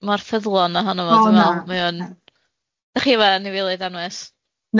mor ffyddlon ohonno fo dwi'n me'l... O na... mae o'n... 'da chi efo anifeiliaid anwes?